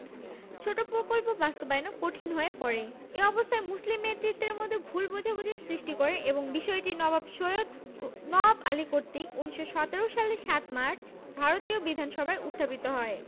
ছোট প্রকল্প বাস্তবায়নও কঠিন হয়ে পড়ে এ অবস্থা মুসলিম নেতৃত্বের মধ্যে ভুল বোঝাবুঝির সৃষ্টি করে এবং বিষয়টি নবাব সৈয়দ নওয়াব আলী কর্তৃক ১৯১৭ সালের ৭ মার্চ ভারতীয় বিধানসভায় উত্থাপিত হয়